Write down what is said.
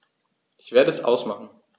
Ich werde es ausmachen